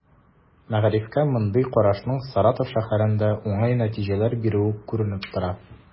Мәгарифкә мондый карашның Саратов шәһәрендә уңай нәтиҗәләр бирүе күренеп тора.